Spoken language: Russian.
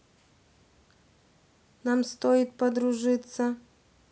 нам стоит подружиться